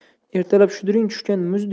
ertalab shudring tushgan